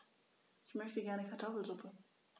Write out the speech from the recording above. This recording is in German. Ich möchte gerne Kartoffelsuppe.